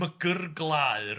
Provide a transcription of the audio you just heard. Mygrglaer.